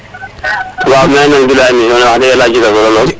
waaw maxey nangilwaa émission ne wax deg yala a jega solo lool